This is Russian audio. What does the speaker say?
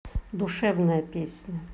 душевная песня